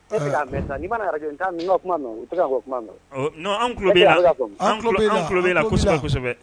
Sɛbɛ